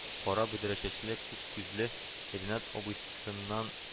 Кара бөдрә чәчле, күк күзле, ренат абыйсыннан